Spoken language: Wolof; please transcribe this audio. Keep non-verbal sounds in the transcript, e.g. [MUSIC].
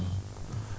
[HESITATION] [HESITATION]